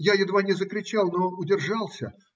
Я едва не закричал, но удержался.